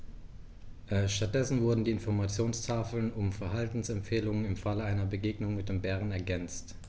Stattdessen wurden die Informationstafeln um Verhaltensempfehlungen im Falle einer Begegnung mit dem Bären ergänzt.